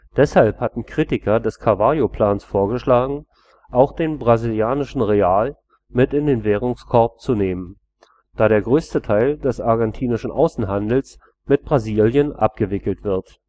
Deshalb hatten Kritiker des Cavallo-Plans vorgeschlagen, auch den brasilianischen Real mit in den Währungskorb zu nehmen, da der größte Teil des argentinischen Außenhandels mit Brasilien abgewickelt wird